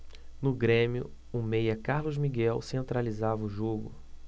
no grêmio o meia carlos miguel centralizava o jogo